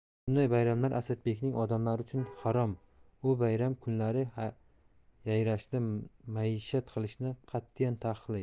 bunday bayramlar asadbekning odamlari uchun harom u bayram kunlari yayrashni maishat qilishni qat'iyan ta'qiqlaydi